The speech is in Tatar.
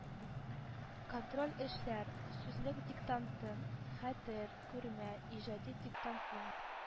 Контроль эшлəр сүзлек диктанты хəтер, күрмə, иҗади диктантлар